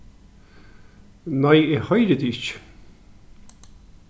nei eg hoyri teg ikki